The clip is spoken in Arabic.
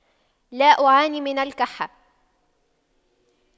لا أعاني من الكحة